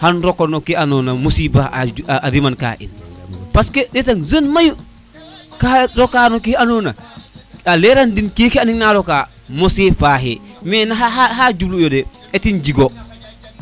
xa roko no ke an musiba a a riman ka in parce que ɗetag jeune mayu ka roka no ke ando na a leran den keke inana roka moso faaxe mais na xa juranunu de atim jigo